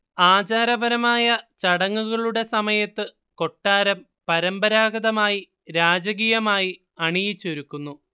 ആചാരപരമായ ചടങ്ങുകളുടെ സമയത്ത് കൊട്ടാരം പരമ്പരാഗതമായി രാജകീയമായി അണിയിച്ചൊരുക്കുന്നു